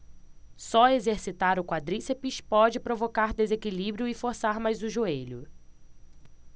só exercitar o quadríceps pode provocar desequilíbrio e forçar mais o joelho